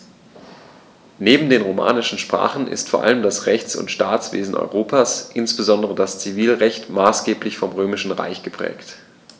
Neben den romanischen Sprachen ist vor allem das Rechts- und Staatswesen Europas, insbesondere das Zivilrecht, maßgeblich vom Römischen Recht geprägt.